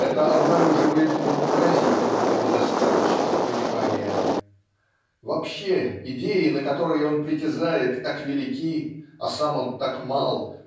это обнаруживает в нем поразительную недостаточность понимания. Вообще идеи на которые он притязает так велики а сам он так мал